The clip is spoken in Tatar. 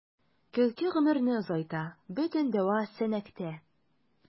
Көлке гомерне озайта — бөтен дәва “Сәнәк”тә.